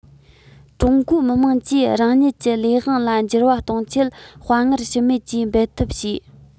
ཀྲུང གོའི མི དམངས ཀྱིས རང ཉིད ཀྱི ལས དབང ལ འགྱུར བ གཏོང ཆེད དཔའ ངར ཞུམ མེད ཀྱིས འབད འཐབ བྱས